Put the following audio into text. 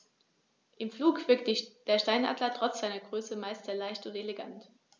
Im Flug wirkt der Steinadler trotz seiner Größe meist sehr leicht und elegant.